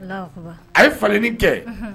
Non Papa A ye falenni kɛ!